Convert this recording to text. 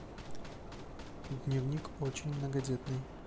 дневник очень многодетной